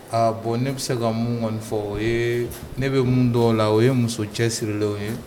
A bɔn ne bɛ se ka mun kɔniɔni fɔ o ye ne bɛ mun dɔw la o ye muso cɛ sirilen o ye